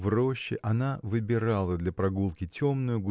в роще она выбирала для прогулки темную